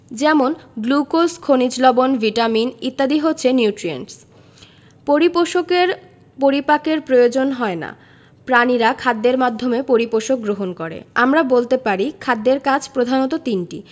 যেমন গ্লুকোজ খনিজ লবন ভিটামিন ইত্যাদি হচ্ছে নিউট্রিয়েন্টস পরিপোষকের পরিপাকের প্রয়োজন হয় না প্রাণীরা খাদ্যের মাধ্যমে পরিপোষক গ্রহণ করে আমরা বলতে পারি খাদ্যের কাজ প্রধানত তিনটি